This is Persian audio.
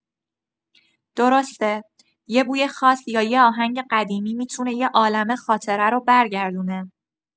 درسته، یه بوی خاص یا یه آهنگ قدیمی می‌تونه یه عالمه خاطره رو برگردونه.